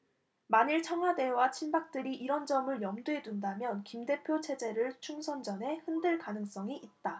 만일 청와대와 친박들이 이런 점을 염두에 둔다면 김 대표 체제를 총선 전에 흔들 가능성이 있다